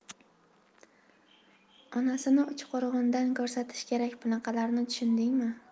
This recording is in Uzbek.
onasini uchqo'rg'ondan ko'rsatish kerak bunaqalarni tushundingmi